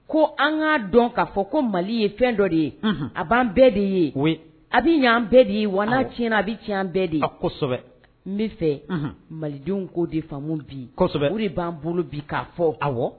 Ko an k'a dɔn k ka fɔ ko mali ye fɛn dɔ de ye a b'an bɛɛ de ye a bɛ ɲan bɛɛ de ye wan tiɲɛna a bɛ tiɲɛ an bɛɛ de ye a kosɛbɛ n bɛ fɛ malidenw k ko de faamumu bi olu de b'an bolo bi k'a fɔ a wa